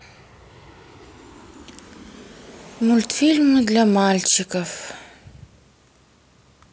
мультфильмы для мальчиков